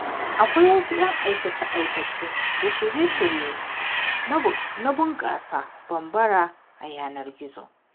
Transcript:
Akwai wasu 'yan aikace-aikace da shirye-shirye na bunƙasa Bambara a yanar gizo.